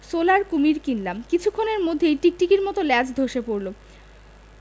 solar কুমীর কিনলীম কিছুক্ষণের মধ্যেই টিকটিকির মত এর ল্যাজ ধসে পড়ল